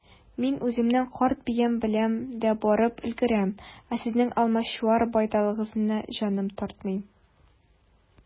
Мин үземнең карт биям белән дә барып өлгерәм, ә сезнең алмачуар байталыгызны җаным тартмый.